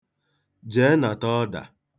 Jee nata ọda.